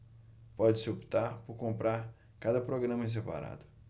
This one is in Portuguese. pode-se optar por comprar cada programa em separado